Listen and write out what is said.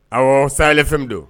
Ɔwɔ salɛ fɛn don